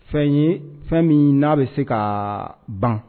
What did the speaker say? Fɛn ye fɛn min n'a bɛ se ka ban